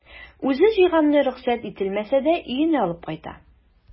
Үзе җыйганны рөхсәт ителмәсә дә өенә алып кайта.